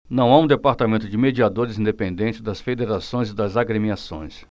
não há um departamento de mediadores independente das federações e das agremiações